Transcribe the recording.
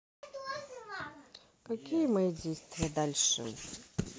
какие мои действия дальше